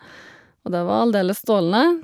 Og det var aldeles strålende.